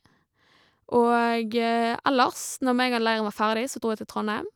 Og ellers, når med en gang leiren var ferdig så dro jeg til Trondheim.